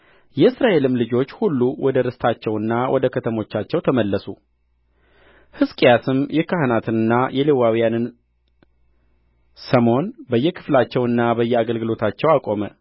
የእስራኤልም ልጆች ሁሉ ወደ ርስታቸውና ወደ ከተሞቻቸው ተመለሱ ሕዝቅያስም የካህናትንና የሌዋውያንን ሰሞን በየክፍላቸውና በየአገልግሎታቸው አቆመ